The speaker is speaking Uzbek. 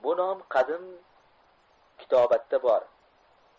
bu nom qadim kitobatda bor